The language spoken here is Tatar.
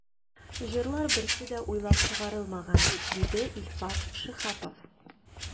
“җырлар берсе дә уйлап чыгарылмаган”, диде илфак шиһапов.